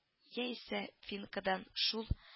Яисә финкадан шул